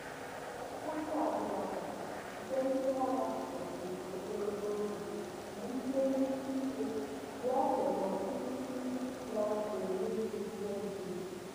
Nwụchi Abubacar nke ndịagha kpọchiri ogologo oge bụ mmegbu ikike ya yana nwụchi ya n'enweghị ebubo ọbụla.